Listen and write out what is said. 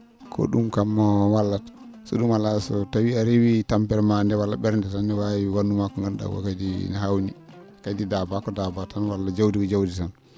ko ?um kam ma wallat so ?um alaa so tawii a rewii tampere maa ndee walla ?ernde tan ne waawi wa?nu maa ko nganndu?aa ko kadi ne haawnii kadi daabaa ko daabaa walla jawdi ko jawdi tan